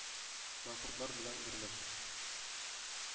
Маңкортлар белән берләшеп,